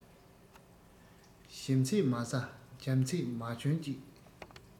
ཞིམ ཚད མ ཟ འཇམ ཚད མ གྱོན ཅིག